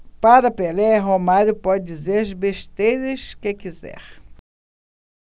para pelé romário pode dizer as besteiras que quiser